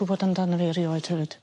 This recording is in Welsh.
...gwbod amdan fi erioed hefyd?